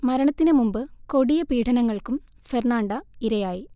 മരണത്തിന് മുമ്പ് കൊടിയ പീഢനങ്ങൾക്കും ഫെർണാണ്ട ഇരയായി